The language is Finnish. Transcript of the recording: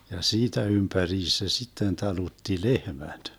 ja siitä ympäriinsä se sitten talutti lehmät